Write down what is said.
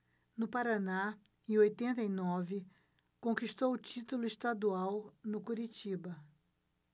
no paraná em oitenta e nove conquistou o título estadual no curitiba